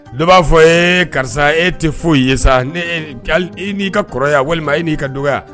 Dɔw b'a fɔ ye karisa e tɛ foyi ye sa i n'i ka kɔrɔ walima e n'i ka dɔgɔya